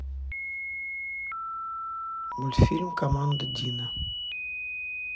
мультфильм команда дино